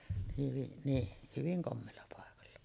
hyvin niin hyvin komealla paikalla